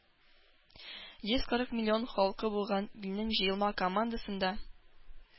Йөз кырык миллион халкы булган илнең җыелма командасында